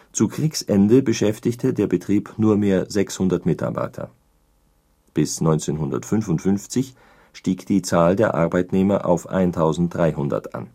Zu Kriegsende beschäftigte der Betrieb nur mehr 600 Mitarbeiter, bis 1955 stieg die Zahl der Arbeitnehmer auf 1300 an